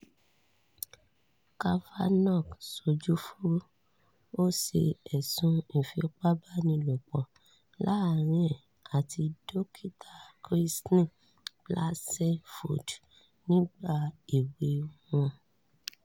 Kavanaugh ṣojú fuúrú, ó sẹ́ ẹ̀sùn ìfipábánilopò láàrin ẹ̀ àti Dókítà Christine Blasey Ford nígbà èwe wọn.